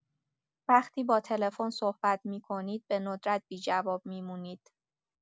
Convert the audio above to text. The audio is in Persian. وقتی با تلفن صحبت می‌کنید به‌ندرت بی‌جواب می‌مونید.